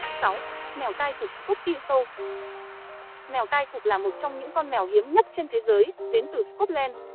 mèo tai cụp scottish fold mèo tai cụp là một trong những con mèo hiếm nhất trên thế giới đến từ scotland